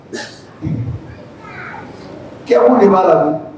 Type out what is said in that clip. Cɛkun de b'a la